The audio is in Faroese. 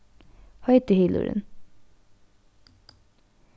heiti hylurin